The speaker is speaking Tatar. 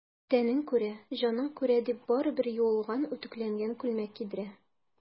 Тәнең күрә, җаның күрә,— дип, барыбер юылган, үтүкләнгән күлмәк кидерә.